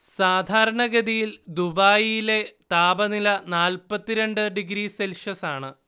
സാധാരണഗതിയിൽ ദുബായിലെ താപനില നാല്‍പ്പത്തിരണ്ട് ഡിഗ്രി സെൽഷ്യസാണ്